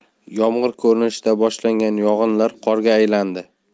yomg'ir ko'rinishida boshlangan yog'inlar qorga aylandi